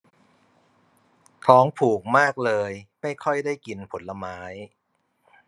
ทองผูกมากเลยไม่ค่อยได้กินผลไม้